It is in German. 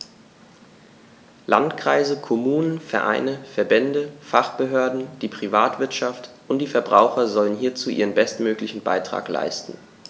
Landkreise, Kommunen, Vereine, Verbände, Fachbehörden, die Privatwirtschaft und die Verbraucher sollen hierzu ihren bestmöglichen Beitrag leisten.